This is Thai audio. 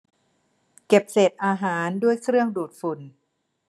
เก็บเศษอาหารด้วยเครื่องดูดฝุ่น